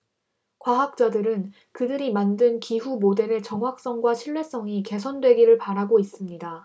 과학자들은 그들이 만든 기후 모델의 정확성과 신뢰성이 개선되기를 바라고 있습니다